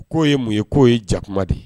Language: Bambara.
K'o ye mun ye k'o ye jakuma de ye